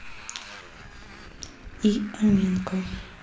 и аминка